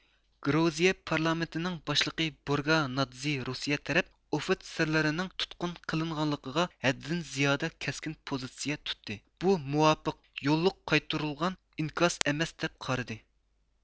گروزىيە پارلامېنتىنىڭ باشلىقى بۇرگا نادزې روسىيە تەرەپ ئوفېتسىرلىرىنىڭ تۇتقۇن قىلىنغانلىقىغا ھەددىدىن زىيادە كەسكىن پوزىتسىيە تۇتتى بۇ مۇۋاپىق يوللۇق قايتۇرۇلغان ئىنكاس ئەمەس دەپ قارىدى